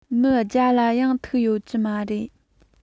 མི བརྒྱ ལ ཡང ཐུག ཡོད རྒྱུ མ རེད